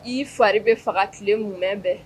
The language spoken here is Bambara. I fa bɛ faga tile kun mɛn bɛn